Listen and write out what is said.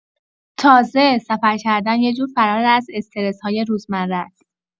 تازه، سفر کردن یه جور فرار از استرس‌های روزمره‌ست.